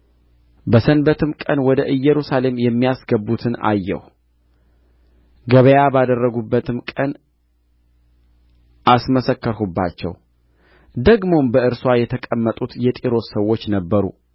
በሰንበትም ቀን ወደ ኢየሩሳሌም የሚያስገቡትን አየሁ ገበያ ባደረጉበትም ቀን አስመሰከርሁባቸው ደግሞም በእርስዋ የተቀመጡ የጢሮስ ሰዎች ነበሩ